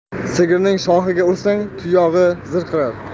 sigirning shoxiga ursang tuyog'i zirqirar